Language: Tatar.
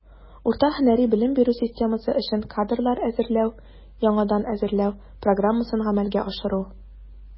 Урта һөнәри белем бирү системасы өчен кадрлар әзерләү (яңадан әзерләү) программасын гамәлгә ашыру.